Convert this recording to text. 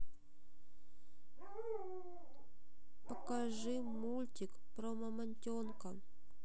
покажи мультик про мамонтенка